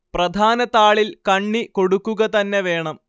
പ്രധാന താളിൽ കണ്ണി കൊടുക്കുക തന്നെ വേണം